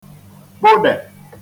kpụdè